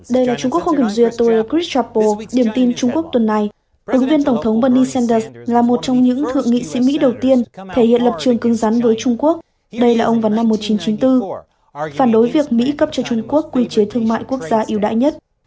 đây là trung quốc không kiểm duyệt tôi cờ rít chóp bồ điểm tin trung quốc tuần này ứng viên tổng thống bơn ni sen đợp là một trong những thượng nghị sĩ mỹ đầu tiên thể hiện lập trường cứng rắn với trung quốc đây là ông vào năm một chín chín tư phản đối việc mỹ cấp cho trung quốc quy chế thương mại quốc gia ưu đãi nhất